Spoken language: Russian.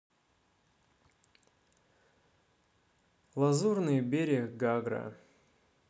лазурный берег гагра